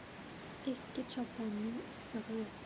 eski choponning issig'i yo'q